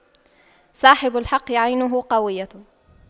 صاحب الحق عينه قوية